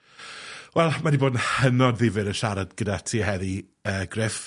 Wel mae 'di bod yn hynod ddifyr yn siarad gyda ti heddi yy Gruff.